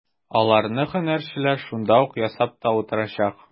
Аларны һөнәрчеләр шунда ук ясап та утырачак.